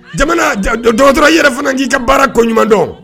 Jamana dɔtɔ yɛrɛ fanajija baara koɲumandɔn